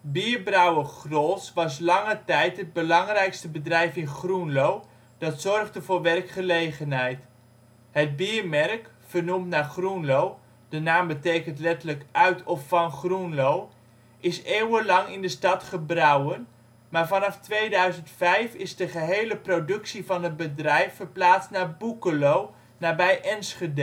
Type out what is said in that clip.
Bierbrouwer Grolsch was lange tijd het belangrijkste bedrijf in Groenlo dat zorgde voor werkgelegenheid. Het biermerk, vernoemd naar Groenlo (de naam betekent letterlijk ‘uit of van Groenlo’) is eeuwenlang in de stad gebrouwen, maar vanaf 2005 is de gehele productie van het bedrijf verplaatst naar Boekelo nabij Enschede